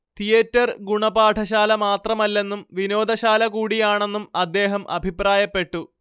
theatre ഗുണപാഠശാല മാത്രമല്ലെന്നും വിനോദശാലകൂടിയാണെന്നും അദ്ദേഹം അഭിപ്രായപ്പെട്ടു